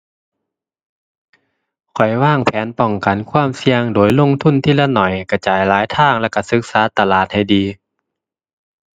ข้อยวางแผนป้องกันความเสี่ยงโดยลงทุนทีละน้อย กระจายหลายทาง แล้วก็ศึกษาตลาดให้ดี